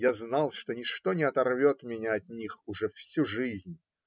Я знал, что ничто не оторвет меня от них уже всю жизнь.